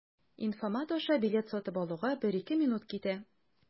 Инфомат аша билет сатып алуга 1-2 минут китә.